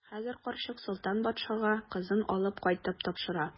Хәзер карчык Солтан патшага кызын алып кайтып тапшыра.